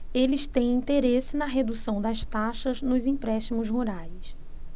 eles têm interesse na redução das taxas nos empréstimos rurais